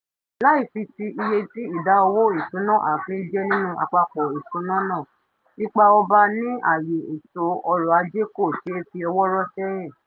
@charquaouia: Láì fi ti iye tí ìdá owó ìṣúná ààfin jẹ́ nínú àpapọ̀ ìṣúná náà, ipa ọba ní àyè ètò ọrọ̀-ajé kò ṣe é fi ọwọ́ rọ́ sẹ́yìn.